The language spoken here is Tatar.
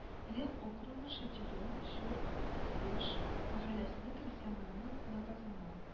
Ренн округының шатильон-сюр-сеш мәхәлләсе крестьяннарының наказыннан